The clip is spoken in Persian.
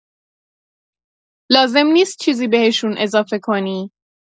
لازم نیست چیزی بهشون اضافه کنی.